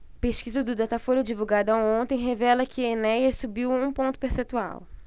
pesquisa do datafolha divulgada ontem revela que enéas subiu um ponto percentual